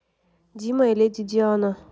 дима и леди диана